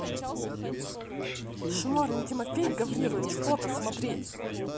шморин тимофей гаврилович фото смотреть